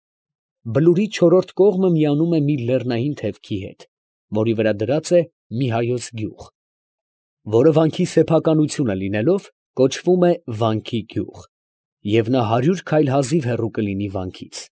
Բլուրի չորրորդ կողմը միանում է մի լեռնային թևքի հետ, որի վրա դրած է մի հայոց գյուղ, որը վանքի սեփականությունը լինելով, կոչվում է «Վանքի գյուղ» և նա հարյուր քայլ հազիվ հեռու կլինի վանքից։